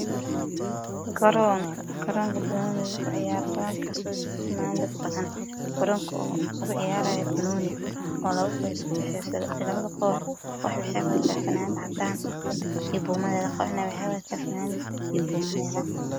Waa garoon lugu dheelaayo banooni waxaa iskugu imaaday dad badan. Waxaa isku baxayso labo koox. Koox waxay wataan fanaanad cadaan iyo buumaheeda, kooxna waxay wataan fanaanad gaduud iyo buumaheeda.